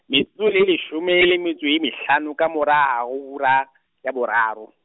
metsotso e leshome le metso e mehlano ka morao hora, ya boraro.